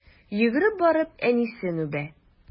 Йөгереп барып әнисен үбә.